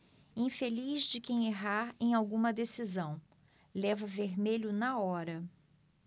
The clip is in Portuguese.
infeliz de quem errar em alguma decisão leva vermelho na hora